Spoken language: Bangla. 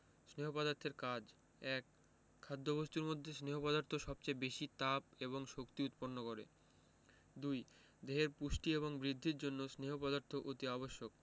স্নেহ পদার্থের কাজ ১. খাদ্যবস্তুর মধ্যে স্নেহ পদার্থ সবচেয়ে বেশী তাপ এবং শক্তি উৎপন্ন করে ২. দেহের পুষ্টি এবং বৃদ্ধির জন্য স্নেহ পদার্থ অতি আবশ্যক